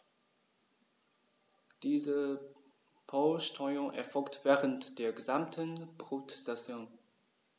Diese Polsterung erfolgt während der gesamten Brutsaison.